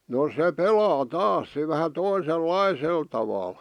no se pelaa taas se vähän toisenlaisella tavalla